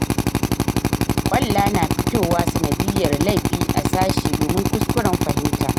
kwalla na fitowa sanadiyar laifi a sashe domin kuskuren fahimta.